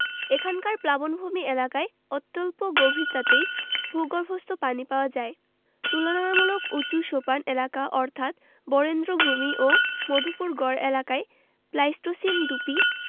এখানকার প্লাবনভূমি এলাকায় অত্যল্প গভীরতাতেই ভূগর্ভস্থ পানি পাওয়া যায় তুলনামূলক উঁচু সোপান এলাকা অর্থাৎ বরেন্দ্রভূমি ও মধুপুরগড় এলাকায় প্লাইসটোসিন ডুপি